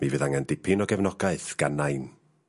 Mi fydd angen dipyn o gefnogaeth gan nain.